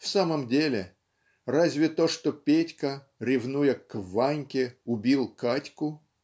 В самом деле, разве то, что Петька, ревнуя к Ваньке, убил Катьку,